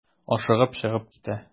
Ашыгып чыгып китә.